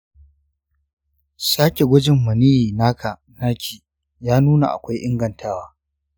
sake gwajin maniyyi naka/naki ya nuna akwai ingantawa.